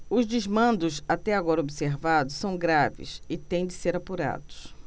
os desmandos até agora observados são graves e têm de ser apurados